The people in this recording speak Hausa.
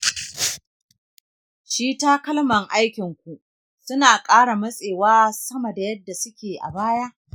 shi takalman aikinku su na ƙara matsewa sama da yadda su ke a baya?